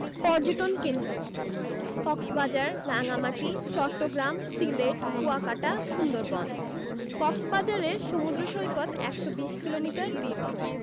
পর্যটন কেন্দ্রঃ কক্সবাজার রাঙ্গামাটি চট্টগ্রাম সিলেট কুয়াকাটা সুন্দরবন কক্সবাজারের সমুদ্র সৈকত ১২০ কিলোমিটার দীর্ঘ